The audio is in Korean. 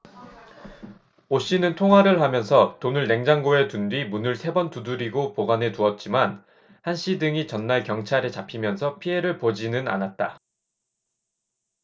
오씨는 통화를 하면서 돈을 냉장고에 둔 뒤 문을 세 번 두드리고 보관해 두었지만 한씨 등이 전날 경찰에 잡히면서 피해를 보지는 않았다